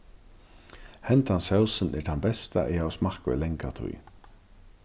hendan sósin er tann besta eg havi smakkað í langa tíð